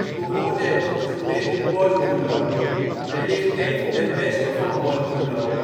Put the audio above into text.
behoorde het tot de gemeente Borculo. Het ligt even ten westen van Borculo